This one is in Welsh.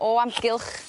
o amgylch